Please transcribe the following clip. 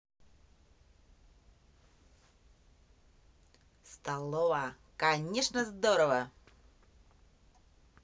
столова конечно здорово